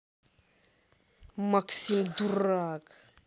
максим дурак